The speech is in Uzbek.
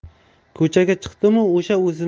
ko'chaga chiqdimu o'sha